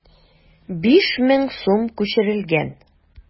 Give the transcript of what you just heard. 5000 сум күчерелгән.